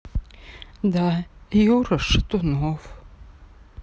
да юра шатунов